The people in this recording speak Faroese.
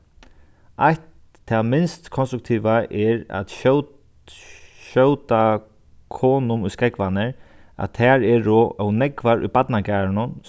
eitt tað minst konstruktiva er skjóta konum í skógvarnar at tær eru ov nógvar í barnagarðinum